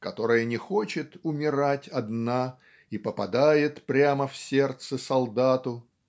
которая не хочет "умирать одна и попадает прямо в сердце солдату".